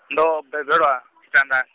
ndo bebelwa, Tshitandan-.